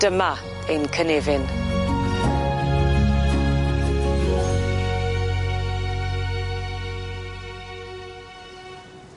Dyma ein cynefin.